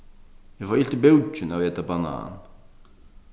eg fái ilt í búkin av at eta banan